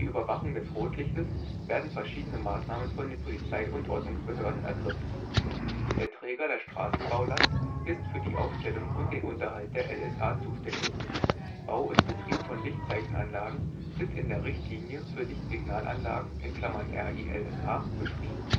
Überwachung des Rotlichtes werden verschiedene Maßnahmen von den Polizei - und Ordnungsbehörden ergriffen. Der Träger der Straßenbaulast ist für die Aufstellung und den Unterhalt der LSA zuständig. Bau und Betrieb von Lichtzeichenanlagen sind in der Richtlinie für Lichtsignalanlagen (RiLSA) beschrieben